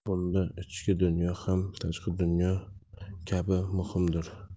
bunda ichki dunyo ham tashqi dunyo kabi muhimdir